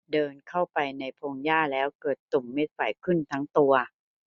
เดินเข้าไปในพงหญ้าแล้วเกิดตุ่มเม็ดไฝขึ้นทั้งตัว